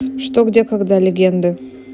что где когда легенды